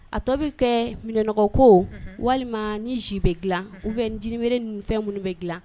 A tɔ bɛ kɛ minɛnɔgɔko walima ni jus bɛ dilan ou bien ni jiniberee ni fɛn minnu bɛ dilan